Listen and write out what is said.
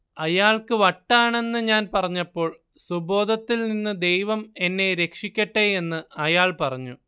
അയാൾക്ക് വട്ടാണെന്ന് ഞാൻ പറഞ്ഞപ്പോൾ സുബോധത്തിൽ നിന്ന് ദൈവം എന്നെ രക്ഷിക്കട്ടെ എന്ന് അയാൾ പറഞ്ഞു